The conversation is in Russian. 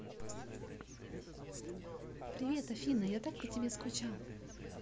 привет афина я так по тебе скучал